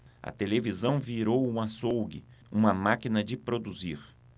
a televisão virou um açougue uma máquina de produzir